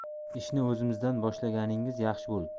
ishni o'zimizdan boshlaganingiz yaxshi bo'libdi